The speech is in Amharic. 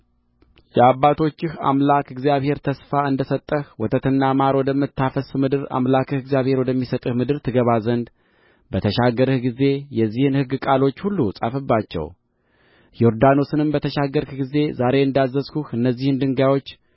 የአባቶችህ አምላክ እግዚአብሔር ተስፋ እንደ ሰጠህ ወተትና ማር ወደምታፈስስ ምድር አምላክህ እግዚአብሔር ወደሚሰጥህ ምድር ትገባ ዘንድ በተሻገርህ ጊዜ የዚህን ሕግ ቃሎች ሁሉ ጻፍባቸው ዮርዳኖስንም በተሻገርህ ጊዜ ዛሬ እንዳዘዝሁህ እነዚህን ድንጋዮች